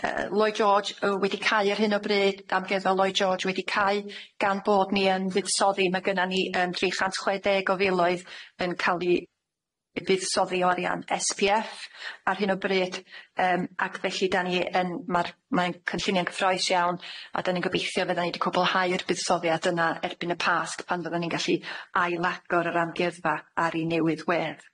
yy Lloyd George yy wedi cau ar hyn o bryd amgueddfa Lloyd George wedi cau gan bod ni yn buddsoddi ma' gynna ni yym tri chant chwe deg o filoedd yn ca'l i yy buddsoddi o arian Es Pee Eff ar hyn o bryd yym ac felly 'dan ni yn ma'r mae'n cynllunio'n gyffrous iawn a 'dan ni'n gobeithio fydda ni 'di cwblhau'r buddsoddiad yna erbyn y Pasg pan fyddan ni'n gallu ailagor yr amgueddfa ar i newydd wedd.